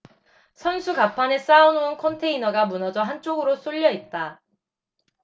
선수 갑판에 쌓아놓은 컨테이너가 무너져 한쪽으로 쏠려 있다